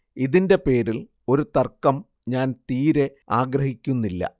ഇതിന്റെ പേരിൽ ഒരു തർക്കം ഞാൻ തീരെ ആഗ്രഹിക്കുന്നില്ല